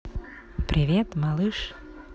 привет малыш